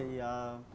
thì ờ